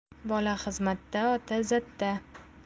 bola xizmatda ota izzatda